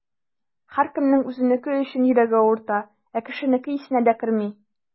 Һәркемнең үзенеке өчен йөрәге авырта, ә кешенеке исенә дә керми.